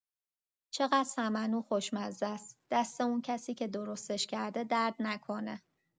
چقدر سمنو خوشمزه‌ست، دست اون کسی که درستش کرده درد نکنه!